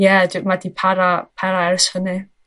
Ie, dwi... Mae 'di para, para ers hynny.